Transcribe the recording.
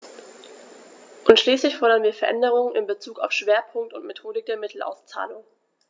Und schließlich fordern wir Veränderungen in bezug auf Schwerpunkt und Methodik der Mittelauszahlung.